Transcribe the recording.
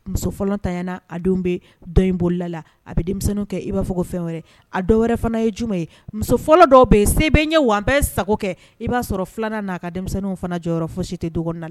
Muso fɔlɔ tayana a denw bɛ dɔ in bolila la a bɛ denmisɛnnin kɛ i b'a fɔ ko fɛn wɛrɛ a dɔw wɛrɛ fana ye juma ye muso fɔlɔ dɔw bɛ yen se bɛ ɲɛ wa bɛ sago kɛ i b'a sɔrɔ filanan n'a ka denmisɛnnin fana jɔyɔrɔyɔrɔ fɔ si tɛ dɔgɔn la